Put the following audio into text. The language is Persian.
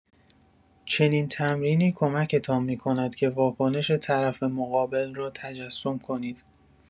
چنین تمرینی کمکتان می‌کند که واکنش طرف مقابل را تجسم کنید.